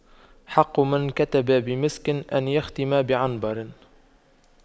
حق من كتب بمسك أن يختم بعنبر